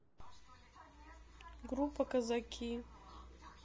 группа казаки